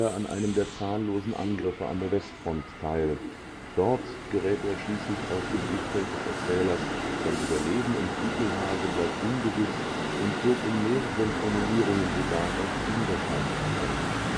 an einem der zahllosen Angriffe an der Westfront teil. Dort gerät er schließlich aus dem Blickfeld des Erzählers; sein Überleben im Kugelhagel bleibt ungewiss und wird in mehreren Formulierungen sogar als unwahrscheinlich eingeschätzt